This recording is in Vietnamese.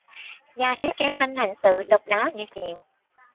nhà thiết kế minh hạnh sự độc đáo dễ chịu